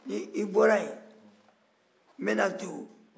nin n bɔra yen n bɛ na too